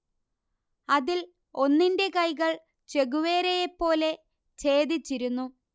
അതിൽ ഒന്നിന്റെ കൈകൾ ചെഗുവേരയെപ്പോലെ ഛേദിച്ചിരുന്നു